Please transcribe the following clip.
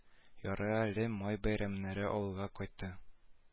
Ярый әле май бәйрәмнәренә авылга кайтты